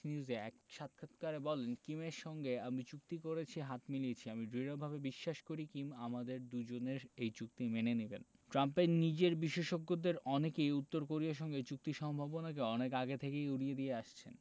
নিউজে এক সাক্ষাৎকারে বলেন কিমের সঙ্গে আমি চুক্তি করেছি হাত মিলিয়েছি আমি দৃঢ়ভাবে বিশ্বাস করি কিম আমাদের দুজনের এই চুক্তি মেনে নিবেন ট্রাম্পের নিজের বিশেষজ্ঞদের অনেকেই উত্তর কোরিয়ার সঙ্গে চুক্তির সম্ভাবনাকে অনেক আগে থেকেই উড়িয়ে দিয়ে আসছেন